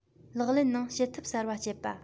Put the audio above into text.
ལག ལེན ནང བྱེད ཐབས གསར པ སྤྱད པ